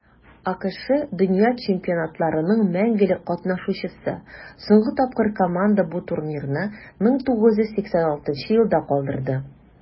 АКШ - дөнья чемпионатларының мәңгелек катнашучысы; соңгы тапкыр команда бу турнирны 1986 елда калдырды.